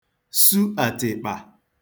su àtị̀kpà